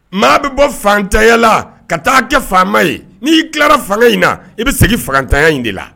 Maa bɛ bɔ fantanya la ka taa kɛ faama ye n'i'i tilara fanga in na i bɛ segin fangatanya in de la